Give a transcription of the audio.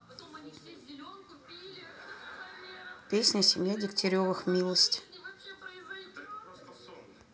песня семья дегтяревых милость